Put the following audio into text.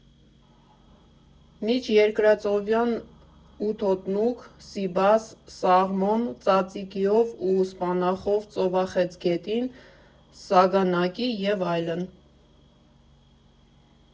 Միջերկրածովյան ութոտնուկ, սիբաս, սաղմոն՝ ձաձիկիով ու սպանախով, ծովախեցգետին սագանակի և այլն։